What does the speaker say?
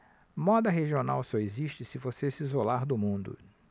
moda regional só existe se você se isolar do mundo